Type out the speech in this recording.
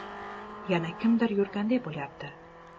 yana kimdir yurganday bo'lyapti